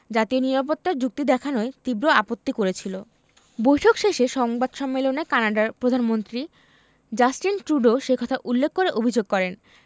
জাতীয় নিরাপত্তা র যুক্তি দেখানোয় তীব্র আপত্তি করেছিল বৈঠক শেষে সংবাদ সম্মেলনে কানাডার প্রধানমন্ত্রী জাস্টিন ট্রুডো সে কথা উল্লেখ করে অভিযোগ করেন